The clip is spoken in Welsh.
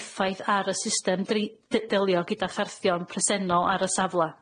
effaith ar y system dri- de- delio gyda charthion presennol ar y safla.